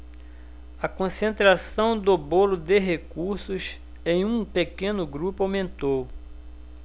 a concentração do bolo de recursos em um pequeno grupo aumentou